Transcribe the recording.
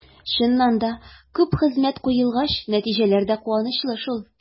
Чыннан да, күп хезмәт куелгач, нәтиҗәләр дә куанычлы шул.